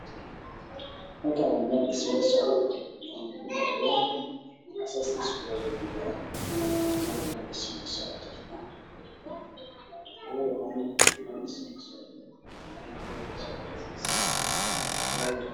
Halkaan waa meel dhismo ka socoto